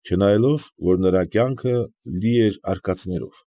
Չնայելով, որ նրա կյանքը լի էր արկածներով։